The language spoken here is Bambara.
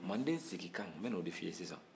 mandensigikan n bɛna o de f'i ye sisan